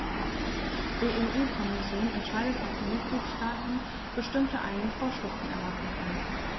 Die EU-Kommission entscheidet, ob die Mitgliedstaaten bestimmte eigene Vorschriften erlassen können.